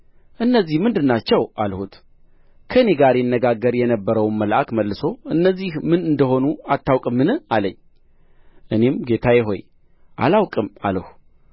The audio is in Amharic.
እነዚህ ምንድን ናቸው አልሁት ከእኔ ጋር ይነጋገር የነበረውም መልአክ መልሶ እነዚህ ምን እንደ ሆኑ አታውቅምን አለኝ እኔም ጌታዬ ሆይ አላውቅም አልሁ